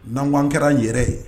N'anwanan kɛra n yɛrɛ ye